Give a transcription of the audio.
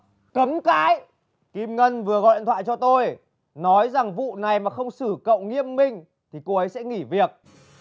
cấm cãi kim ngân vừa gọi điện thoại cho tôi nói rằng vụ này mà không xử cậu nghiêm minh thì cô ấy sẽ nghỉ việc